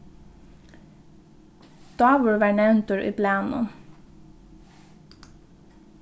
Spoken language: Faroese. dávur varð nevndur í blaðnum